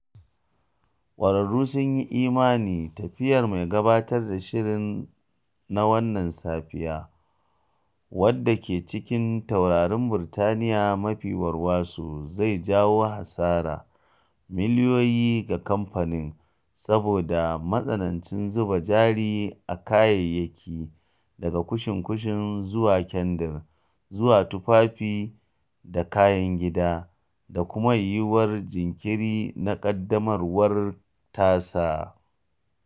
Ƙwararru sun yi imani tafiyar mai gabatar da shirin na Wannan Safiyar, wadda ke cikin taurarin Birtaniyya mafi warwaso, zai jawo hasarar miliyoyi ga kamfanin saboda matsanancin zuba jari a kayayyaki daga kushin-kushin zuwa kyandira zuwa tufafi da kayan gida, da kuma yiwuwar jinkiri na ƙaddamarwar tasa.